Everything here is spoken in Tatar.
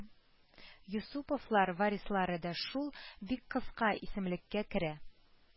Юсуповлар) варислары да шул бик кыска исемлеккә керә